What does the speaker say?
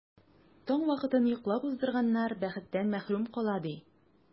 Таң вакытын йоклап уздырганнар бәхеттән мәхрүм кала, ди.